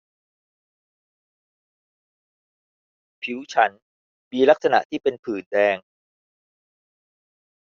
ผิวฉันมีลักษณะที่เป็นผื่นแดง